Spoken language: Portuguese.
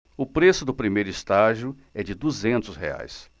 o preço do primeiro estágio é de duzentos reais